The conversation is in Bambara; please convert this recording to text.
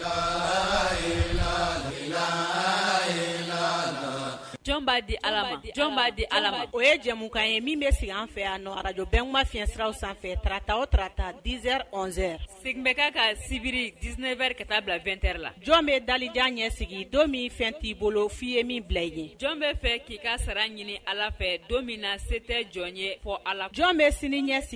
'a di'a di ala o ye jɛmukan ye min bɛ sigi an fɛ a arajma fi fiɲɛsiraraw sanfɛ tarata tata dz sigi bɛ ka ka sibiri dis wɛrɛ ka taa bila2ɛ la jɔn bɛ dajan ɲɛ sigi don min fɛn t'i bolo f'i ye min bila i ye jɔn bɛ fɛ k'i ka sara ɲini ala fɛ don min na se tɛ jɔn ye fɔ ala jɔn bɛ sini ɲɛ sigi